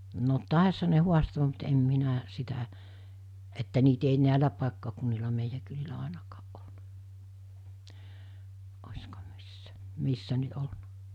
no taisihan ne haastaa mutta en minä sitä että niitä ei näillä paikkakunnilla meidän kylillä ainakaan ollut olisiko missä missä nyt ollut